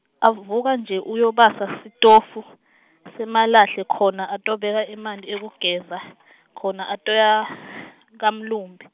avuka nje, uyobasa sitofu, semalahle khona atobeka emanti ekugeza, khona atoya, kamlumbi.